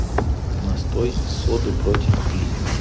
настой из соды против тли